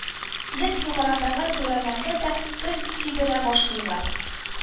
Леп, югарыдагы түрәләргә дә тел тидерә башлыйлар